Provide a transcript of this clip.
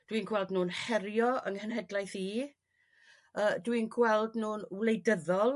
dwi'n gweld nhw'n herio 'yng nghenhedlaeth i yrr dwi'n gweld nhw'n wleidyddol